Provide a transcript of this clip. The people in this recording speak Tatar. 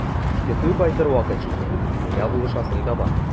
Көтү кайтыр вакыт җитә, миңа булышасың да бар.